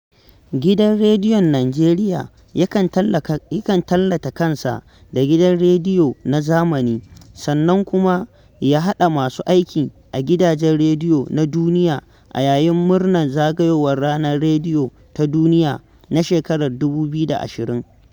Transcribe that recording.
Gidan Rediyon Nijeriya yakan tallata kansa da " Gidan rediyo na zamani", sannan kuma ya haɗa masu aiki a gidajen rediyo na duniya a yayin murnar zagayowar Ranar Rediyo Ta Duniya na shekarar 2020.